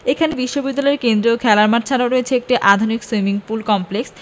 এখানে বিশ্ববিদ্যালয় কেন্দ্রীয় খেলার মাঠ ছাড়াও রয়েছে একটি আধুনিক সুইমিং পুল কমপ্লেক্স